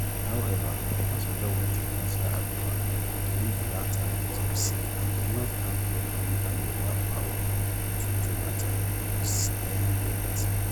However, Obasanjo went against Yar’Adua when the latter became sick and did not hand properly hand over power to Jonathan, his then deputy.